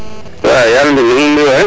wa yaal mbin nam nu mbiyu koy